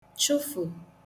chụfụ̀